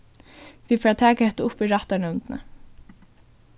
vit fara at taka hetta upp í rættarnevndini